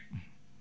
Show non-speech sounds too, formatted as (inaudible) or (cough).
(hesitation) (hesitation)